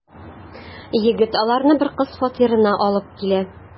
Егет аларны бер кыз фатирына алып килә.